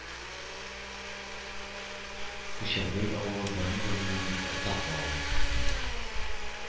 Күчәрбай авылы борын-борыннан бик атаклы авыл